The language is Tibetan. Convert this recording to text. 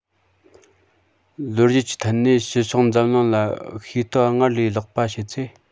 ལོ རྒྱུས ཀྱི ཐད ནས ཕྱི ཕྱོགས འཛམ གླིང ལ ཤེས རྟོགས སྔར ལས ལེགས པ བྱས ཚེ